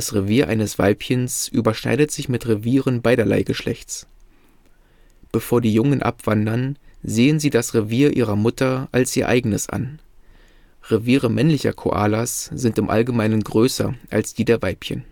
Revier eines Weibchens überschneidet sich mit Revieren beiderlei Geschlechts. Bevor die Jungen abwandern, sehen sie das Revier ihrer Mutter als ihr eigenes an. Reviere männlicher Koalas sind im Allgemeinen größer als die der Weibchen